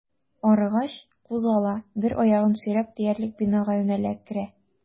Арыгач, кузгала, бер аягын сөйрәп диярлек бинага юнәлә, керә.